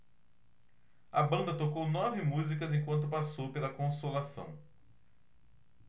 a banda tocou nove músicas enquanto passou pela consolação